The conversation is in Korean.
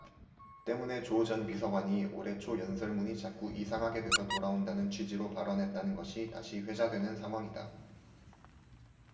때문에 조 전 비서관이 올해 초 연설문이 자꾸 이상하게 돼서 돌아온다는 취지로 발언했다는 것이 다시 회자되는 상황이다